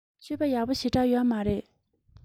སྤྱོད པ ཡག པོ ཞེ དྲགས ཡོད མ རེད